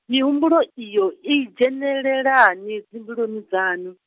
mihumbulo iyo, i dzhenelelani dzimbiluni dzaṋu?